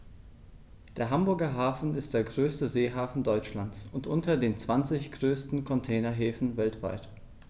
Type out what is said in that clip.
Der Hamburger Hafen ist der größte Seehafen Deutschlands und unter den zwanzig größten Containerhäfen weltweit.